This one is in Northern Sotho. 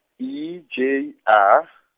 E J A.